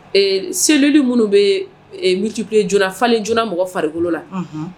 Selilonli minnu bɛ motilen j fa ni joona mɔgɔ farikolo la